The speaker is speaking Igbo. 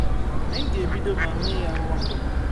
Anyị ga-ebido, ma mee ya ngwangwa.